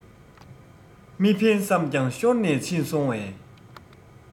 མི འཕེན བསམ ཀྱང ཤོར ནས ཕྱིན སོང བས